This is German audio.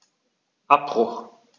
Abbruch.